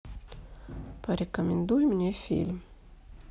порекомендуй мне фильм